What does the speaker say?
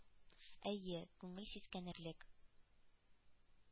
Әйе, күңел сискәнерлек,